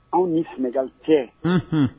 Anw ni sɛnɛkaw cɛ